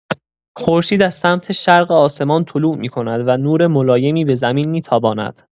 خورشید از سمت شرق آسمان طلوع می‌کند و نور ملایمی به زمین می‌تاباند.